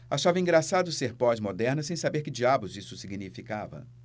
achava engraçado ser pós-moderna sem saber que diabos isso significava